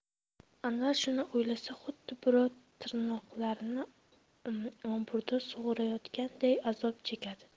anvar shuni o'ylasa xuddi birov tirnoqlarini omburda sug'urayotganday azob chekardi